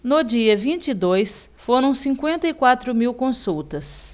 no dia vinte e dois foram cinquenta e quatro mil consultas